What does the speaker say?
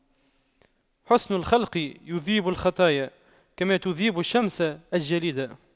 حُسْنُ الخلق يذيب الخطايا كما تذيب الشمس الجليد